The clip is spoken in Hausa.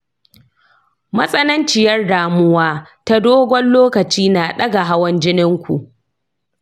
matsanaciyar damuwa ta dogon lokaci na ɗaga hawan jininku